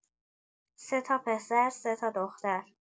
سه‌تا پسر، سه‌تا دختر.